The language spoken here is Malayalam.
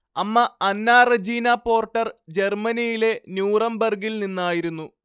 അമ്മ അന്നാ റെജീനാ പോർട്ടർ ജർമ്മനിയിലെ ന്യൂറംബർഗ്ഗിൽ നിന്നായിരുന്നു